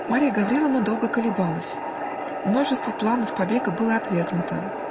Марья Гавриловна долго колебалась; множество планов побега было отвергнуто.